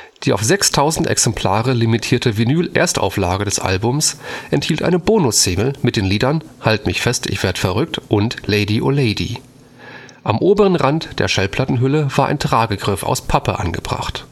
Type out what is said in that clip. Die auf 6.000 Exemplare limitierte Vinyl-Erstauflage des Albums enthielt eine Bonus-Single mit den Liedern Halt mich fest ich werd verrückt und Lady-O-Lady. Am oberen Rand der Schallplattenhülle war ein Tragegriff aus Pappe angebracht